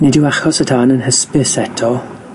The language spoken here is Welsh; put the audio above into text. Nid yw achos y tan yn hysbys eto.